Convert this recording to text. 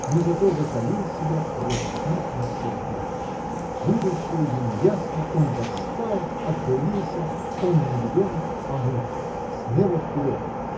но зато закалил себя против них навсегда. Будущее ему ясно он восстал окрылился – он не ребенок а муж – смело вперед!